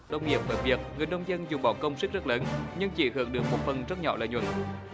nông nghiệp khởi việc người nông dân dùng bỏ công sức rất lớn nhưng chỉ hưởng được một phần rất nhỏ lợi nhuận